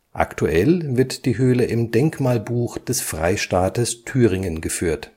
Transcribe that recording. Aktuell wird die Höhle im Denkmalbuch des Freistaates Thüringen geführt